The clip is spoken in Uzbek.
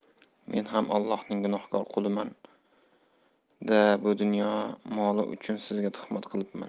men ham ollohning gunohkor quliman da bu dunyo moli uchun sizga tuhmat qilibman